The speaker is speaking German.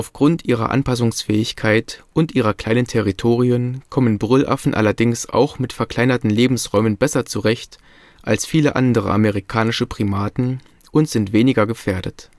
Aufgrund ihrer Anpassungsfähigkeit und ihrer kleinen Territorien kommen Brüllaffen allerdings auch mit verkleinerten Lebensräumen besser zurecht als viele andere amerikanische Primaten und sind weniger gefährdet